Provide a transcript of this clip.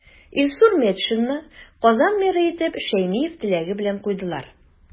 Илсур Метшинны Казан мэры итеп Шәймиев теләге белән куйдылар.